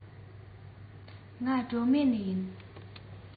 ང གྲོ མོ ནས ཡིན